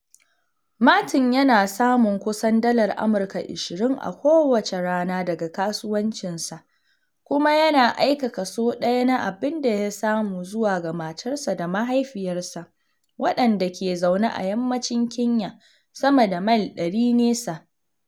Martin yana samun kusan dalar Amurka $20 a kowace rana daga kasuwancinsa kuma yana aika kaso ɗaya na abin da ya samu zuwa ga matarsa da mahaifiyarsa, waɗanda ke zaune a Yammacin Kenya, sama da mil 100 nesa.